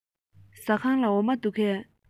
ཟ ཁང ལ འོ མ འདུག གས